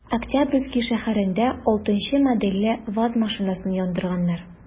Октябрьский шәһәрендә 6 нчы модельле ваз машинасын яндырганнар.